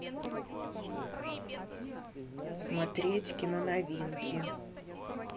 смотреть киноновинки